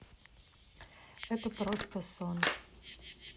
это просто сон